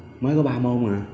mới có ba môn à